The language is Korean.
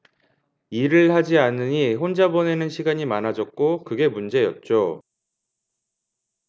일을 하지 않으니 혼자 보내는 시간이 많아졌고 그게 문제였죠